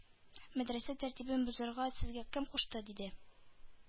Мәдрәсә тәртибен бозарга сезгә кем кушты? - диде.